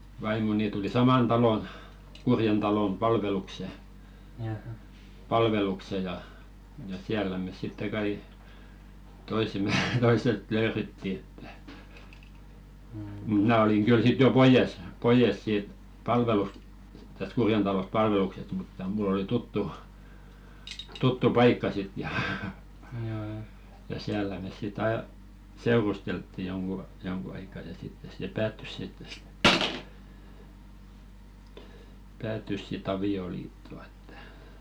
vaimoni tuli saman talon Kurjen talon palvelukseen palvelukseen ja ja siellä me sitten kai toisemme toiset löydettiin että mutta minä olin kyllä sitten jo pois pois siitä - tästä Kurjen talosta palveluksesta mutta minulla oli tuttu tuttu paikka sitten ja ja siellä me sitten aina seurusteltiin jonkun jonkun aikaa ja sitten se päättyi sitten että päättyi sitten avioliittoon että